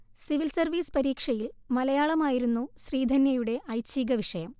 civil service പരീക്ഷയിൽ മലയാളമായിരുന്നു ശ്രീധന്യയുടെ ഐച്ഛീകവിഷയം